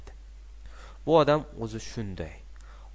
bu odam o'zi shunday